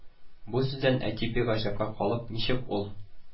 Бу сүздән әти бик гаҗәпкә калып: "Ничек ул